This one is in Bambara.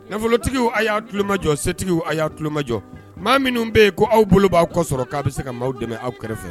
Nafolotigi a y'a tulolomajɔ setigi a y'a tulolomajɔ maa minnu bɛ yen ko aw bolo b'aw kɔsɔrɔ k'a bɛ se ka maaw dɛmɛ aw kɛrɛfɛ